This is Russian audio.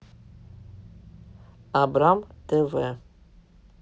абрам тв